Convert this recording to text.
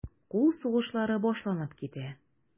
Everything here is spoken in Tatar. Кул сугышлары башланып китә.